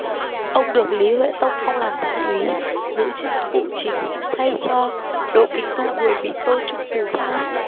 ông được lý huệ tông phong làm thái úy giữ chức phụ chính thay cho đỗ kính tu vừa bị tô trung từ sát hại